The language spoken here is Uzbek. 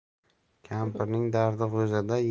kampirning dardi g'o'zada